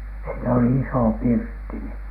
siinä oli iso pirtti niin